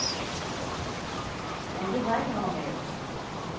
на диване валяюсь